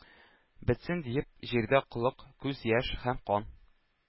«бетсен,— диеп,— җирдә коллык, күз-яшь һәм кан!»